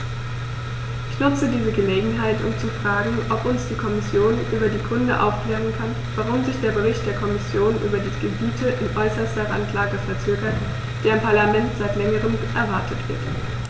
Ich nutze diese Gelegenheit, um zu fragen, ob uns die Kommission über die Gründe aufklären kann, warum sich der Bericht der Kommission über die Gebiete in äußerster Randlage verzögert, der im Parlament seit längerem erwartet wird.